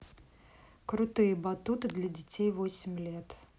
крутые батуты для детей восемь лет